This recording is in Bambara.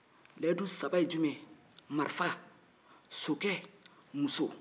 layidu saba in ye jumɛn ye sokɛ marifa muso